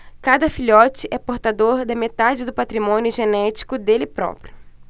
cada filhote é portador da metade do patrimônio genético dele próprio